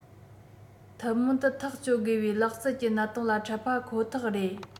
ཐུན མོང དུ ཐག གཅོད དགོས པའི ལག རྩལ གྱི གནད དོན ལ འཕྲད པ ཁོ ཐག རེད